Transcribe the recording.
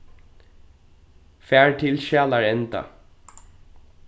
far til skjalarenda